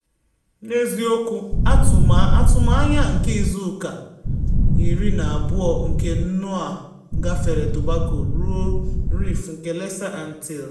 N'eziokwu, atụmanya nke izuụka iri na abụọ nke NOAA gafere Tobago ruo Reef nke Lesser Antilles.